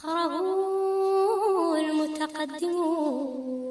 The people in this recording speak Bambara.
San mɔgɛnin